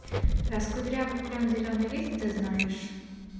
раскудрявый клен зеленый лист ты знаешь